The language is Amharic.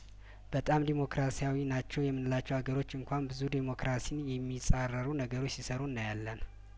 በጣም ዴሞክራሲያዊ ናቸው የምንላቸው አገሮች እንኳን ብዙ ዴሞክራሲን የሚጻረሩ ነገሮች ሲሰሩ እናያለን